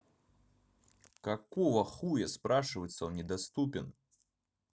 какого хуя спрашивается он недоступен